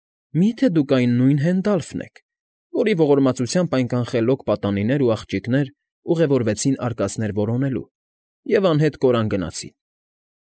Մի՞թե դուք այն նույն Հենդալֆն եք, որի ողորմածությամբ այնքան խելոք պատանիներ ու աղջիկներ ուղևորվեցին արկանծեր որոնելու և անհետ կորան գնացին։